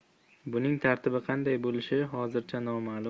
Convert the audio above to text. buning tartibi qanday bo'lishi hozircha noma'lum